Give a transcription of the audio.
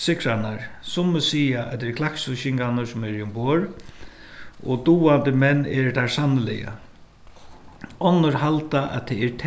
sigrarnar summi siga at tað eru klaksvíkingarnir sum eru umborð og dugandi menn eru teir sanniliga onnur halda at tað er